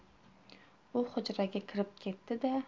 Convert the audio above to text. u hujraga kirib ketdi da